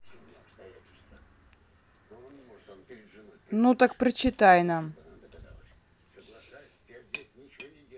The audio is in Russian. ну так прочитай нам